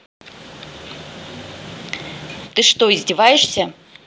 ты что издеваешься